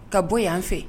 Ka bɔ yan fɛ